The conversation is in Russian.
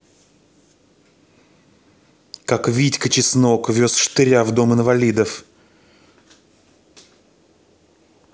как витька чеснок вез штыря в дом инвалидов